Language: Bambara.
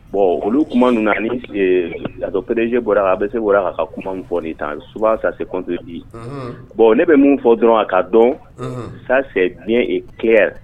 Bon olu tuma ninnu latoperereze bɔra a bɛ se bɔra' ka kuma fɔɔni ta subasa se bi bɔn ne bɛ min fɔ dɔrɔn a ka dɔn sasɛ diɲɛ kɛ